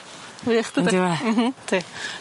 Wych tydi? On'd yw e? M-hm 'di.